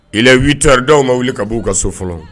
il est 8 heures dɔw ma wuli ka b'u ka so fɔlɔ .